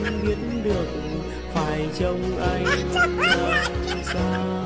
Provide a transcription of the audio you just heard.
em biết được phải trông anh làm sao